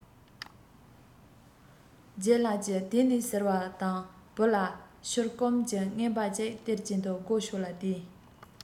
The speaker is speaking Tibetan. ལྗད ལགས ཀྱིས དེ ནས ཟེར བ དང བུ ལ ཕྱུར སྐོམ གྱི བརྔན པ གཅིག སྟེར གྱིན དུ སྒོ ཕྱོགས ལ བལྟས